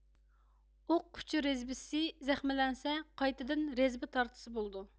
ئوق ئۇچى رېزبسى زەخىملەنسە قايتىدىن رېزبا تارتسا بولىدۇ